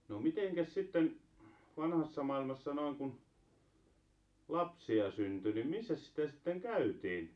no mitenkäs sitten vanhassa maailmassa noin kun lapsia syntyi niin missäs sitä sitten käytiin